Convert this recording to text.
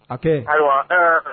Hakɛ, ayiwa,e yɛrɛ fɛ